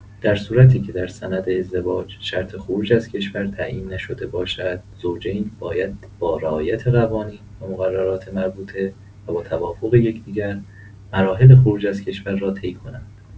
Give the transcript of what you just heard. در صورتی که در سند ازدواج شرط خروج از کشور تعیین نشده باشد، زوجین باید با رعایت قوانین و مقررات مربوطه و با توافق یکدیگر، مراحل خروج از کشور را طی کنند.